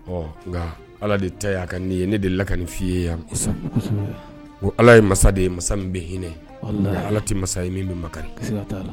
Ɔ nka ala de ta a ka nin ye ne de la ka nin f'i ye yan o ala ye masa de ye masa min bɛ hinɛ nka ala tɛ masa ye min bɛkari